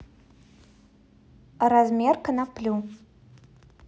размер коноплю